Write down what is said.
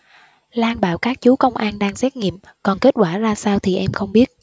lan bảo các chú công an đang xét nghiệm còn kết quả ra sao thì em không biết